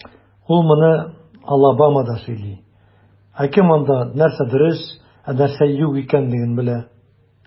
Ул моны Алабамада сөйли, ә кем анда, нәрсә дөрес, ә нәрсә юк икәнлеген белә?